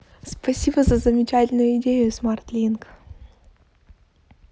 спасибо за замечательную идею смартлинк